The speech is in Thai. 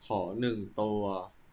ขอหนึ่งตัว